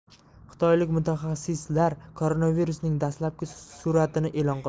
xitoylik mutaxassislar koronavirusning dastlabki suratini e'lon qildi